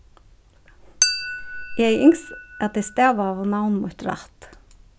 eg hevði ynskt at tey stavaðu navn mítt rætt